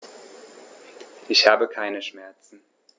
Ich habe keine Schmerzen.